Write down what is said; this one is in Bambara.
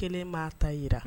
Kelen b'a ta jirara